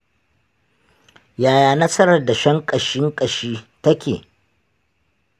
yaya nasarar dashen ƙashin ƙashi take?